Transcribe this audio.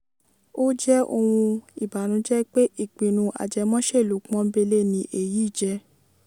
Ó jẹ́ ohun ìbànújẹ́ pé ìpinnu ajẹmọ́ṣèlú pọ́nńbélé ni èyí jẹ́.